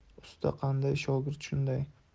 usta qanday shogird shunday